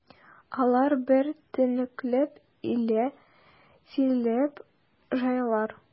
Алар бер тәңкәләп, илле тиенләп җыялар.